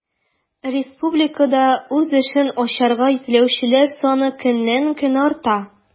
Республикада үз эшен ачарга теләүчеләр саны көннән-көн арта.